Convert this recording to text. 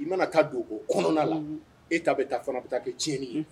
I mana taa don bɔ kɔnɔna la e ta bɛ taa fana bɛ taa kɛ tiɲɛninin